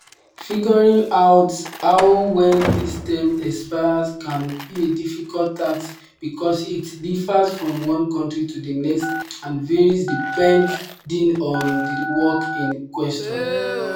Figuring out how when this term expires can be a difficult task because it differs from one country to the next and varies depending on the work in question.